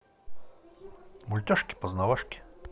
мультяшки познавашки